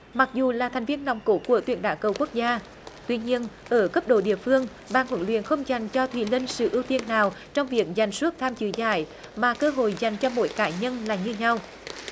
mặc dù là thành viên nòng cốt của tuyển đá cầu quốc gia tuy nhiên ở cấp độ địa phương ban huấn luyện không dành cho thị dân sự ưu tiên nào trong việc giành suất tham dự giải mà cơ hội dành cho mỗi cá nhân là như nhau